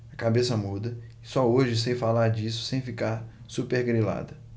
a cabeça muda e só hoje sei falar disso sem ficar supergrilada